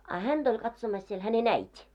a häntä oli katsomassa siellä hänen äiti